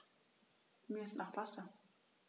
Mir ist nach Pasta.